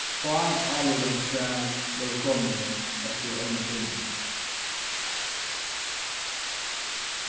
fá álítandi svar vóru komin eftir einum tíma